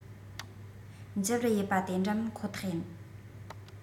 འཇིབ རུ ཡིད པ དེ འདྲ མིན ཁོ ཐག ཡིན